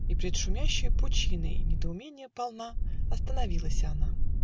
И пред шумящею пучиной, Недоумения полна, Остановилася она.